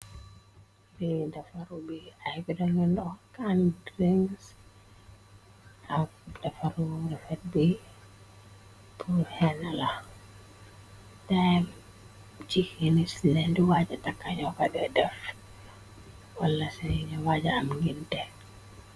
Ri defaru bi ay brangno kan drings ak defaru refet bi buhenla deem ci xenis lendi waaja takka yokate def wala sayinu waaja am nginte.